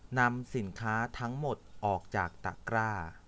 นำสินค้าทั้งหมดออกจากตะกร้า